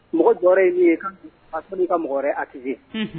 Mɔgɔ jɔyɔrɔ ye' ye a n'i ka mɔgɔ wɛrɛ azse